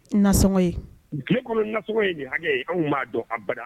Nansɔngɔn ye tilekɔnɔ nansɔngɔn ye ni hakɛ ye anw m'a dɔn habada.